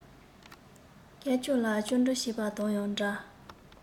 སྐད ཅོར ལ ཅོ འདྲི བྱེད པ དང ཡང འདྲ